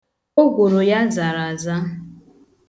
Ogworo ya zara aza.